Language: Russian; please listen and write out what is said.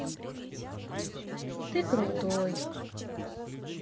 ты крутой